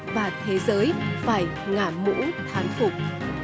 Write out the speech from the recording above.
và thế giới phải ngả mũ thán phục